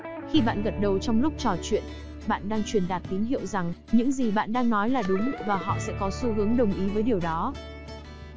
khi bạn gật đầu trong lúc trò chuyện bạn đang truyền đạt tín hiệu rằng những gì bạn đang nói là đúng và họ sẽ có xu hướng đồng ý với điều đó